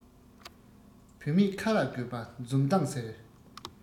བུད མེད ཁ ལ དགོས པ འཛུམ མདངས ཟེར